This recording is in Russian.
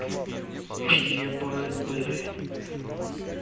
ебать блядь